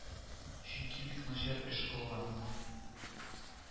Чөнки бик начар эш кылганнар